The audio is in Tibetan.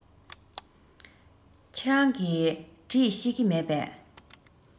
ཁྱེད རང གིས འབྲི ཤེས ཀྱི མེད པས